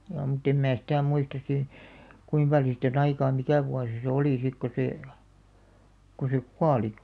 jaa mutta en minä sitä muista sitten kuinka paljon siitä on aikaa mikä vuosi se oli sitten kun se kun se kuoli